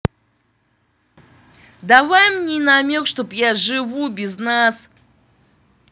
давай мне намек чтобы я живу без нас